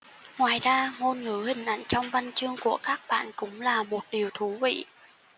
ngoài ra ngôn ngữ hình ảnh trong văn chương của các bạn cũng là một điều thú vị